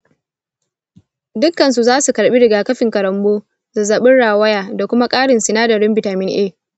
dukkansu za su karɓi rigakafin karonbo, zazzabin rawaya, da kuma ƙarin sinadarin bitamin a.